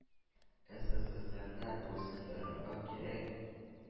Эсэсэсэрны буйсындырырга кирәк.